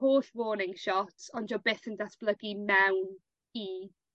holl warning shots on' 'di o byth yn datblygu mewn i